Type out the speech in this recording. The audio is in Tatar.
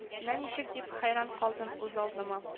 Менә ничек, дип хәйран калдым үзалдыма